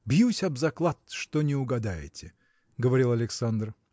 – Бьюсь об заклад, что не угадаете! – говорил Александр.